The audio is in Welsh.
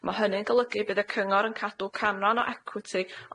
Ma' hynny'n golygu bydd y cyngor yn cadw canran o ecwyti